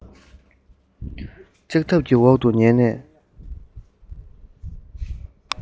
ལྕགས ཐབ ཀྱི འོག ཏུ ཉལ ནས